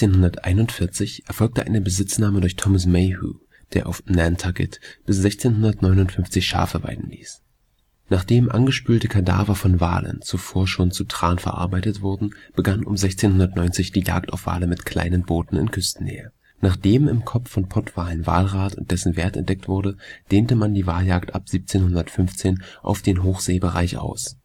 1641 erfolgte eine Besitznahme durch Thomas Mayhew, der auf Nantucket bis 1659 Schafe weiden ließ. Nachdem angespülte Kadaver von Walen zuvor schon zu Tran verarbeitet wurden, begann um 1690 die Jagd auf Wale mit kleinen Booten in Küstennähe. Nachdem im Kopf von Pottwalen Walrat und dessen Wert entdeckt wurde, dehnte man die Waljagd ab 1715 auf den Hochseebereich aus